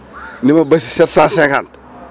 ni ma basi 750